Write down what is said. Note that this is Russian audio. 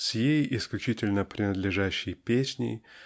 с ей исключительно принадлежащею песней